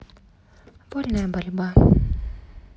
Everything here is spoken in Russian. вольная борьба